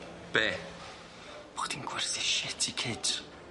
Be'? Bo' chdi'n gwerthu shit i kids?